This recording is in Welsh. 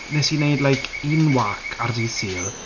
Wnes i wneud like un wâc ar dydd Sul...